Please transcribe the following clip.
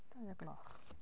dau o'r gloch.